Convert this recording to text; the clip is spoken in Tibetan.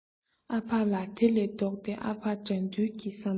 ཨ ཕ ལ དེ ལས ལྡོག སྟེ ཨ ཕ དགྲ འདུལ གི བསམ པར